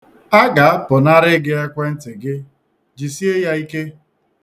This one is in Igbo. A ga-apụnara gị ekwentị gị, jisie ya ike.